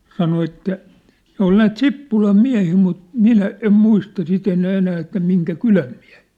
sanoi että ne oli näitä Sippulan miehiä mutta minä en muista sitten enää enää että minkä kylän miehiä